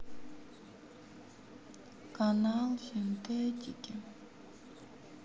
канал синтетики